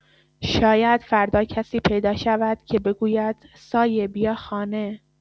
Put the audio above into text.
شاید فردا کسی پیدا شد که بگوید: سایه، بیا خانه.